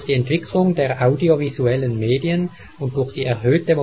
Entwicklung der audiovisuellen Medien und durch die erhöhte Mobilität